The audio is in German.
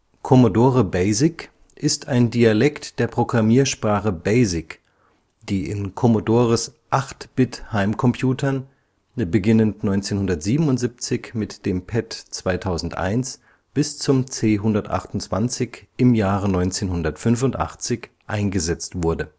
Commodore BASIC ist ein Dialekt der Programmiersprache BASIC, die in Commodores 8-Bit-Heimcomputern – beginnend 1977 mit dem PET 2001 bis zum C128 im Jahre 1985 – eingesetzt wurde